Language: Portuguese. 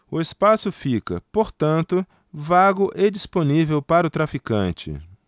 o espaço fica portanto vago e disponível para o traficante